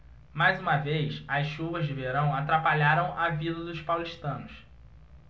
mais uma vez as chuvas de verão atrapalharam a vida dos paulistanos